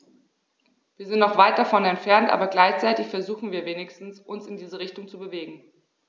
Wir sind noch weit davon entfernt, aber gleichzeitig versuchen wir wenigstens, uns in diese Richtung zu bewegen.